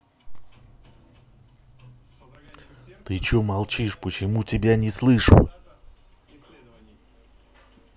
ты че молчишь почему тебя не слышу